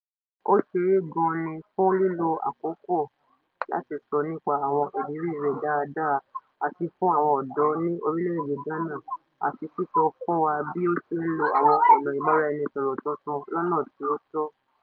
O ṣeé gan-an ni fún lílo àkókò láti sọ nípa àwọn ìrírí rẹ dáadáa fún àwọn ọ̀dọ́ ní orílẹ̀ èdè Ghana àti sísọ fún wa bí ó ṣe ń lo àwọn ọ̀nà ìbáraẹnisọ̀rọ̀ tuntun lọ́nà tí ó tọ́.